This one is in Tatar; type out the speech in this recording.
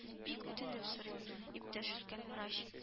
Бик үтенеп сорыйм, иптәш өлкән врач